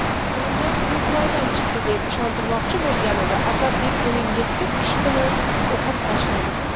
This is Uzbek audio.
janjal qulupnoydan chiqdi deb ishontirmoqchi bo'lganida asadbek uning yetti pushtini o'qib tashladi